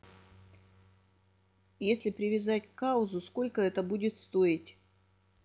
если привязать к каузу сколько это будет стоить